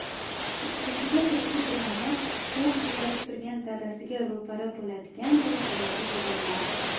ichkariga kirishi bilanoq pichoq ko'tarib turgan dadasiga ro'para bo'ladiganday yuragi zirillardi